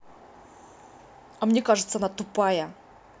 а мне кажется она тупая